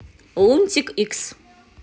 лунтик икс